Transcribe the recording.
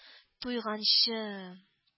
Туйганчы